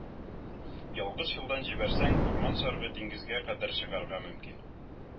Ялгыш юлдан җибәрсәң, урман сарыгы диңгезгә кадәр чыгарга мөмкин